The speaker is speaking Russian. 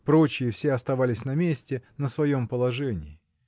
Прочие все оставались на месте, на своем положении.